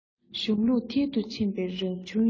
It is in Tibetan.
གཞུང ལུགས མཐིལ དུ ཕྱིན པའི རབ བྱུང ཡིན